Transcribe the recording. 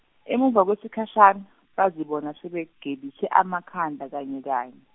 emuva kwesikhashana, bazibona sebegebise amakhanda kanye kanye.